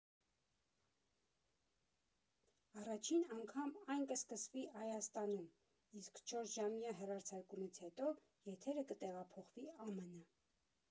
Առաջին անգամ այն կսկսվի Հայաստանում, իսկ չորսժամյա հեռարձակումից հետո եթերը կտեղափոխվի ԱՄՆ։